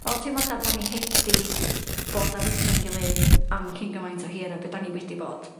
Wel teimlo sa bo' ni hep 'di bod ar wtho ei'n gilydd am cyn gymaint o hir a be' 'dan ni wedi bod.